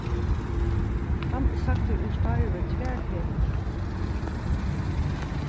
hann er sagdur úr starvi tvær ferðir